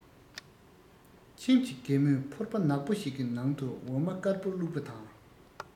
ཁྱིམ གྱི རྒན མོས ཕོར པ ནག པོ ཞིག གི ནང དུ འོ མ དཀར པོ བླུགས པ དང